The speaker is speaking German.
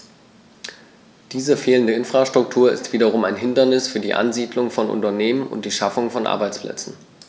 Diese fehlende Infrastruktur ist wiederum ein Hindernis für die Ansiedlung von Unternehmen und die Schaffung von Arbeitsplätzen.